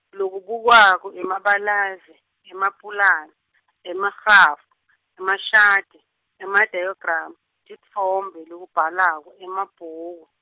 Lokubukwako, emabalave, Emapulani, emagrafu, emashadi, emadayagramu, titfombe lokubhalako, emabhuku.